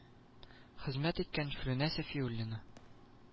Хезмәт иткән флүнә сафиуллина